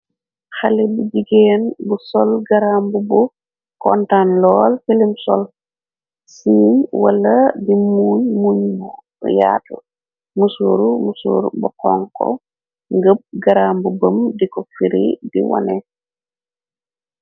Xale bu jigeen bu sol garambubu, kontan lool silim sol, sin wala di muuñ muñ mu yaatu, musuuru musuur bu xonxu, ngëb garambu bëm diko firi di wane.